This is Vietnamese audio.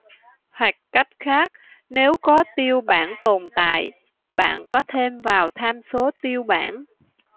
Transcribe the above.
hoặc cách khác nếu có tiêu bản tồn tại bạn có thêm vào tham số tiêu bản